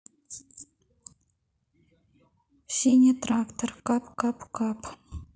синий трактор кап кап кап